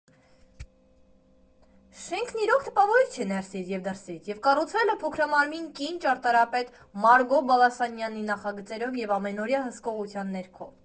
Շենքն իրոք տպավորիչ է ներսից և դրսից և կառուցվել է փոքրամարմին կին ճարտարապետ Մարգո Բալասանյանի նախագծերով և ամենօրյա հսկողության ներքո։